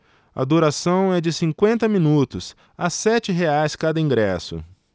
a duração é de cinquenta minutos a sete reais cada ingresso